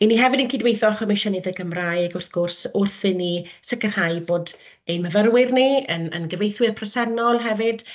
'y ni hefyd yn cydweithio â Chomisiynydd y Gymraeg wrth gwrs wrth i ni sicrhau bod ein myfyrwyr ni, yn yn gyfieithwyr presennol hefyd,